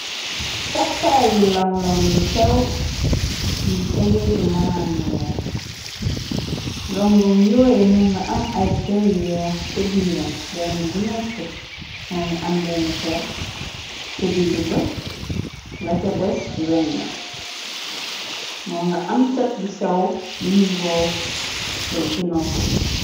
Takkaayu long loŋg yu sew yuy tegee ci malaan mu weex long loŋg yooye moo nga am ay per yu weex cha biiram benn bu nekk moo nga am benn per cha digga ba la sa des weñch la moo nga am chat bu sew lu nyui rof fee ci noppu bi.